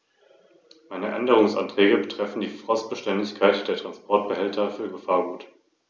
Deshalb müssen wir für die Schaffung eines einheitlichen Patentschutzes mehr tun.